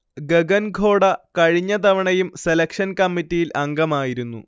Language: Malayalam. ഗഗൻ ഖോഡ കഴിഞ്ഞ തവണയും സെലക്ഷൻ കമ്മിറ്റിയിൽ അംഗമായിരുന്നു